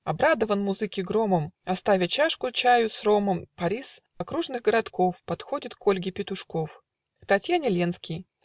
Обрадован музыки громом, Оставя чашку чаю с ромом, Парис окружных городков, Подходит к Ольге Петушков, К Татьяне Ленский